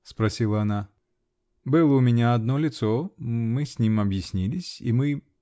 -- спросила она -- Было у меня одно лицо -- мы с ним объяснились -- и мы.